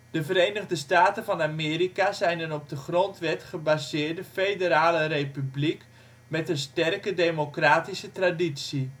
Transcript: De Verenigde Staten van Amerika is een op de constitutie gebaseerde federale republiek met een sterke democratische traditie